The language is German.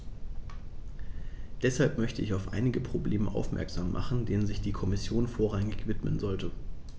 Deshalb möchte ich auf einige Probleme aufmerksam machen, denen sich die Kommission vorrangig widmen sollte.